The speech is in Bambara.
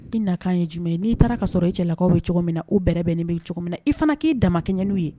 Ni nakan ye jumɛn ye n'i taara ka sɔrɔ e cɛlakaw bɛ cogo min na o bɛɛ bɛ nin' cogo min na i fana k'i da kɛ ɲ'u ye